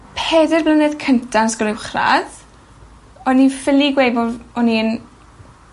Peder mlynedd cynta 'n ysgol uwchradd o'n i ffili gweud bo' f- o'n i'n